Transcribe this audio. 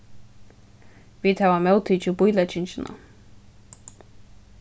vit hava móttikið bíleggingina